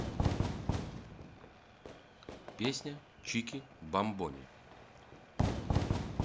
песня чики бамбони